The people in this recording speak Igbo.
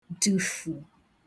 dùfù